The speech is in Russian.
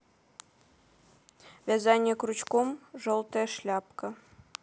вязание крючком желтая шляпка